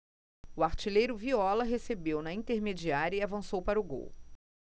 o artilheiro viola recebeu na intermediária e avançou para o gol